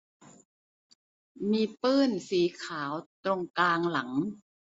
มีปื้นสีขาวตรงกลางหลัง